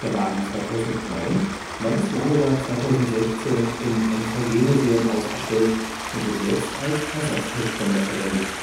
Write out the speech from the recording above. Wagen 2009 war bis Januar 2016 im MVG Museum ausgestellt und wird jetzt als Ersatzteilspender verwendet